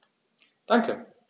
Danke.